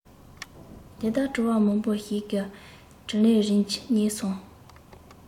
དེ ལྟར དྲི བ མང པོ ཞིག གི དྲིས ལན རིམ གྱིས རྙེད སོང